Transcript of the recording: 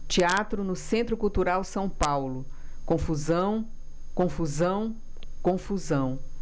teatro no centro cultural são paulo confusão confusão confusão